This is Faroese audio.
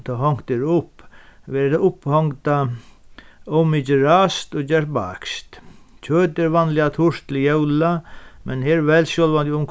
tá hongt er upp verður tað upphongda ov mikið ræst og gerst beiskt kjøt er vanliga turt til jóla men her veldst sjálvandi um